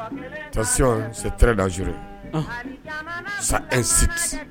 Taasi se tdzur sisan